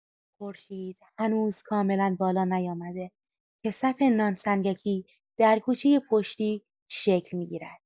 خورشید هنوز کاملا بالا نیامده که صف نان سنگکی در کوچۀ پشتی شکل می‌گیرد.